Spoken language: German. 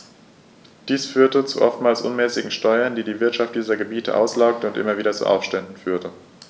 Dies führte zu oftmals unmäßigen Steuern, die die Wirtschaft dieser Gebiete auslaugte und immer wieder zu Aufständen führte.